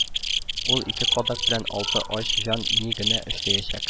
Ул ике кадак белән алты ач җан ни генә эшләячәк